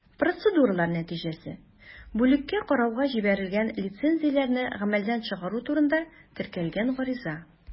Процедуралар нәтиҗәсе: бүлеккә карауга җибәрелгән лицензияләрне гамәлдән чыгару турында теркәлгән гариза.